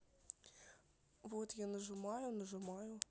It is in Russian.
вот я нажимаю нажимаю